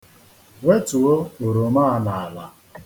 Wetuo oroma a n'ala.